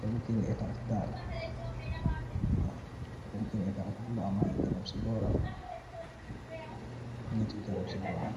Kom kër I etaas daal. Waaw, kom kër I etaas bu am ay garab si bóoram, ñieta garab si bóoram.